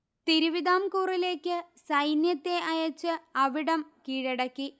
തിരുവിതാംകൂറിലേക്ക് സൈന്യത്തെ അയച്ച് അവിടം കീഴടക്കി